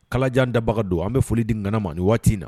Kalajan dabaga don an bɛ foli di ɲanama nin waati in na